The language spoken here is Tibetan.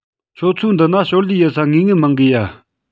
ཁྱོད ཆོ འདི ན ཞོར ལས ཡེད ས ངེས ངེས མང གི ཡ